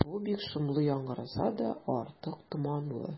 Бу бик шомлы яңгыраса да, артык томанлы.